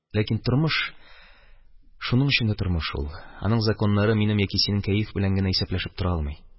Ләкин тормыш – шуның өчен дә тормыш ул, аның законнары минем яки синең кәеф белән генә исәпләшеп тора алмый.